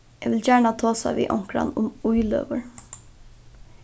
eg vil gjarna tosa við onkran um íløgur